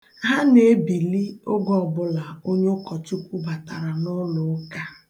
Ha na-ebili oge ọbuḷa onye ụkọchukwu batara n'ụlọụka